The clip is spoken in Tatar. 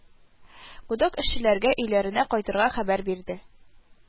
Гудок эшчеләргә өйләренә кайтырга хәбәр бирде